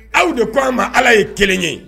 Aw de ko an ma ala ye kelen ye